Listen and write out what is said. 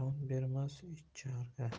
ayron bermas icharga